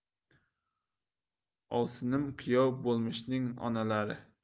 ovsinim kuyov bo'lmishning onalari